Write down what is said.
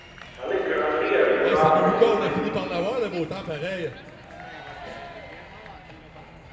tað liggur ein friðarligur dámur yvir býnum